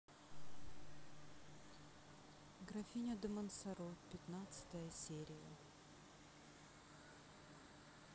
графиня де монсоро пятнадцатая серия